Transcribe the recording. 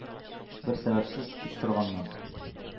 Бер сәбәпсез, тик торганнан.